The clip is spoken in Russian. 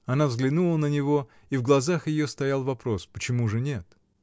Она взглянула на него, и в глазах ее стоял вопрос: почему же нет?